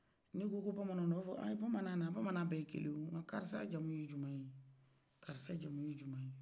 ni ko ko bamanan a bɛ fo ko bamanan bɛye kelenyew karisa jamu jumɛyen karisa jamuye jumɛye